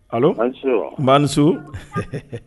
Ala ma su